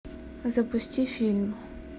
запусти фильм